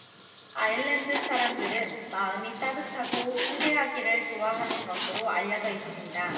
아일랜드 사람들은 마음이 따뜻하고 후대하기를 좋아하는 것으로 알려져 있습니다